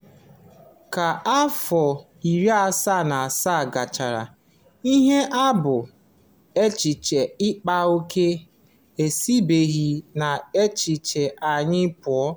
Ka afọ 77 gachara ihe a bụ [echiche ịkpa ókè] esibeghị n'echiche anyị pụọ.